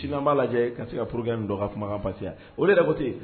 Si an b'a lajɛ ka se ka poro in don ka kumakan o de dabote